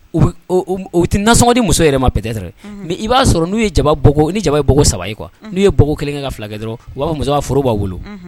U u tɛ nassɔnɔgɔdi muso yɛrɛ ma ptɛ tɛɛrɛ mɛ i b'a sɔrɔ nu ye ni jamaba ye saba ye kuwa n'u ye bɔ kelen ka filakɛ dɔrɔn b'a muso foro b'a bolo